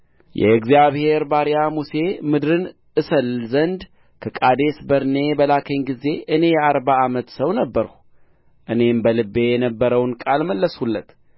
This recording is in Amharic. የእግዚአብሔር ባሪያ ሙሴ ምድርን እሰልል ዘንድ ከቃዴስ በርኔ በላከኝ ጊዜ እኔ የአርባ ዓመት ሰው ነበርሁ እኔም በልቤ የነበረውን ቃል መለስሁለት